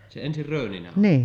se ensin rööninen on